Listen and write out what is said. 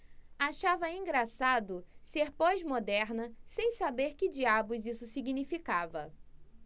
achava engraçado ser pós-moderna sem saber que diabos isso significava